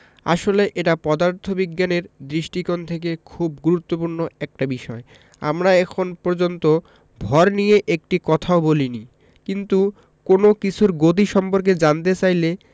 আসলে এটা পদার্থবিজ্ঞানের দৃষ্টিকোণ থেকে খুব গুরুত্বপূর্ণ একটা বিষয় আমরা এখন পর্যন্ত ভর নিয়ে একটি কথাও বলিনি কিন্তু কোনো কিছুর গতি সম্পর্কে জানতে চাইলে